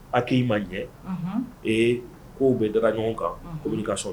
A k'i ma ɲɛ ee k'w bɛ daga ɲɔgɔn kan ko i ka so